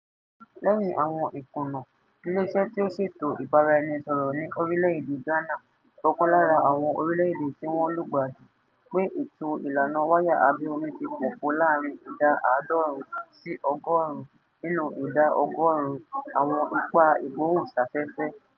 Lẹ́yìn àwọn ìkùnà, ilé iṣẹ́ tí ó ṣètò ìbáraẹnisọ̀rọ̀ ní orílẹ̀ èdè Ghana, ọ̀kan lára àwọn orílẹ̀ èdè tí wọ́n lùgbàdì, pé ètò ìlànà wáyà abẹ́ omi ti pòfo láàárín ìdá 90 sí 100 nínú ìdá ọgọ́rùn-ún àwọn ipá ìgbóhùnsáfẹ́fẹ́.